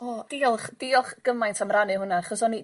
O diolch diolch gymaint am rannu hwnna achos o'n i